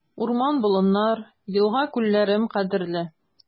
Урман-болыннар, елга-күлләрем кадерле.